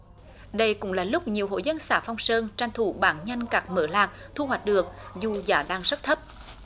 đây cũng là lúc nhiều hộ dân xã phong sơn tranh thủ bán nhanh các mở lạc thu hoạch được dù giá đang rất thấp